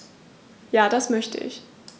Ja, das möchte ich.